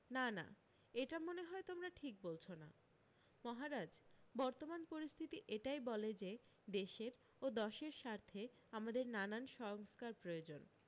না না এটা মনে হয় তোমরা ঠিক বলছ না মহারাজ বর্তমান পরিস্থিতি এটাই বলে যে দেশের ও দশের স্বার্থে আমাদের নানান সংস্কার প্রয়োজন